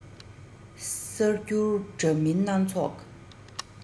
གསར འགྱུར འདྲ མིན སྣ ཚོགས